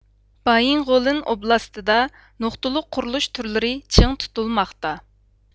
بايىنغولىن ئوبلاستىدا نۇقتىلىق قۇرۇلۇش تۈرلىرى چىڭ تۇتۇلماقتا